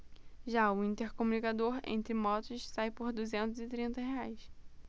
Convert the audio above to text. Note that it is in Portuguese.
já o intercomunicador entre motos sai por duzentos e trinta reais